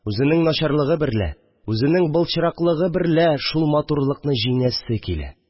Үзенең начарлыгы берлә, үзенең былчыраклыгы берлә шул матурлыкны җиңәсе килә